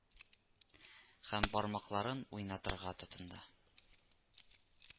Һәм бармакларын уйнатырга тотынды: